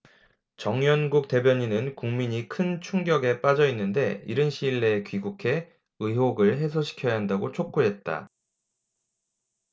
정연국 대변인은 국민이 큰 충격에 빠져 있는데 이른 시일 내에 귀국해 의혹을 해소시켜야 한다고 촉구했다